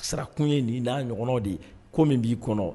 Sarakun ye nin n'a ɲɔgɔn de ye ko min b'i kɔnɔ